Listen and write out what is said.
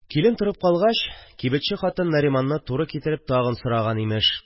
Килен торып калгач, кибетче хатын Нариманны туры китереп тагын сораган, имеш